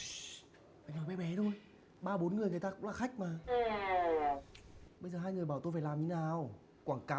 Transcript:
nói be bé thôi ba bốn người người ta cũng là khách mà bây giờ hai người bảo tôi làm thế nào quảng cáo